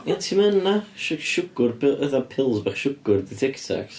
Ie, ti'm yn na? Si- siwgr... by- fatha pills bach siwgr 'di Tic Tacs.